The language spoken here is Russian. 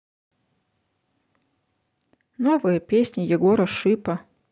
новая песня егора шипа